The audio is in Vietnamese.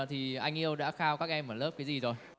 thì anh yêu đã khao các em ở lớp cái gì rồi